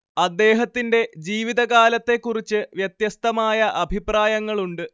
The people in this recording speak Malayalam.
അദ്ദേഹത്തിന്റെ ജീവിതകാലത്തെക്കുറിച്ച് വ്യത്യസ്തമായ അഭിപ്രായങ്ങളുണ്ട്